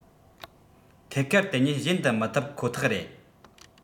ཐད ཀར དེ ཉིད གཞན དུ མི ཐུབ ཁོ ཐག རེད